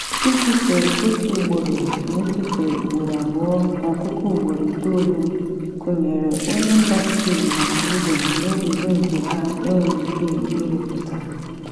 Ịkụfe otu ugboro na ịkụfe ugboro abụọ n’ọkụkụ ugboro itoolu kụnyere onye mba Spain na Sweden n’olulu nke ha enweghị ike ịrịpụta.